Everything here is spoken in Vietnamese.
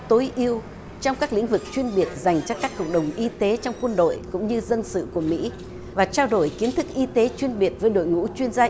tối ưu trong các lĩnh vực chuyên biệt dành cho các cộng đồng y tế trong quân đội cũng như dân sự của mỹ và trao đổi kiến thức y tế chuyên biệt với đội ngũ chuyên gia y